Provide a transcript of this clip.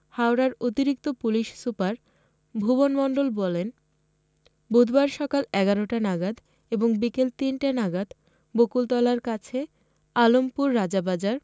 হাওড়ার অতিরিক্ত police super Bhuban Mondal বলেন বুধবার সকাল এগারোটা নাগাদ এবং বিকেল তিনটে নাগাদ বকূলতলার কাছে আলমপুর রাজাবাজার